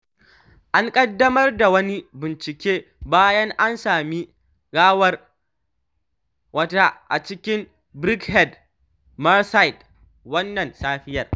An ƙaddamar da wani bincike bayan an sami gawar wata mata a cikin Birkenhead, Merseyside wannan safiyar.